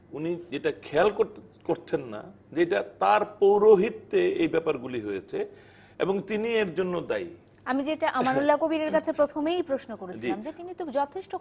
উনি এটা খেয়াল করছেন না যে এটা তার পৌরহিত্যে এই ব্যাপার গুলো হয়েছে এবং তিনি এর জন্য দায়ী আমি যেটা আমানুল্লাহ কবির এর কাছে প্রথমেই প্রশ্ন করেছিলাম জি যে তিনি যথেষ্ট